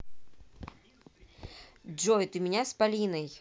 джой ты меня с полиной